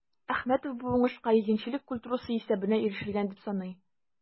Әхмәтов бу уңышка игенчелек культурасы исәбенә ирешелгән дип саный.